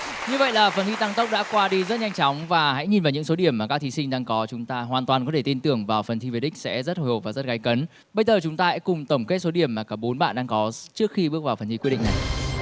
như vậy là phần thi tăng tốc đã qua đi rất nhanh chóng và hãy nhìn vào những số điểm mà các thí sinh đang có chúng ta hoàn toàn có thể tin tưởng vào phần thi về đích sẽ rất hồi hộp và rất gay cấn bây giờ chúng ta hãy cùng tổng kết số điểm mà cả bốn bạn đang có trước khi bước vào phần thi quyết định này